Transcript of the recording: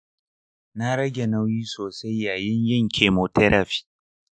na rage nauyi sosai yayin yin chemotherapy.